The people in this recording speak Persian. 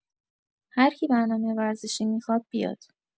هرکی برنامه ورزشی میخواد بیاد